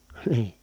niin